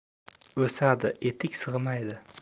o'sadi etik sig'maydi